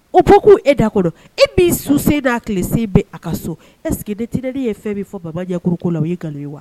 O ko k'u e da kɔrɔ e b'i su sen d'a tilesen bɛ a ka so ɛsekedi tɛden e ye fɛn bɛ fɔ babajɛkuru ko la o y ye nkalonlo ye wa